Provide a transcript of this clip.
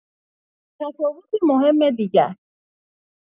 تفاوت مهم دیگر